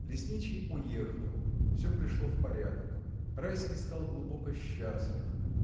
Лесничий уехал, всё пришло в порядок. Райский стал глубоко счастлив